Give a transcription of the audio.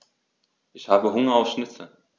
Ich habe Hunger auf Schnitzel.